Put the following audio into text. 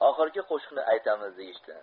oxirgi qo'shiqni aytamiz deyishdi